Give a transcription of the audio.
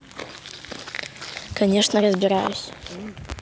конечно разбираюсь